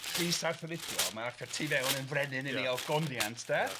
llys Arthur ydi o mae Arthur tu fewn yn frenin yn ei ogoniant de. Ia.